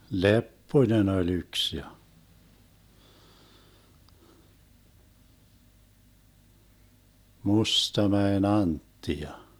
Lepponen oli yksi ja Mustamäen Antti ja